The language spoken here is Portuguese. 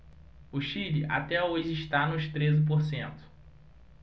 o chile até hoje está nos treze por cento